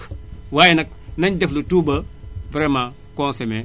waaye nag nañ def le tout ba vraiment consommé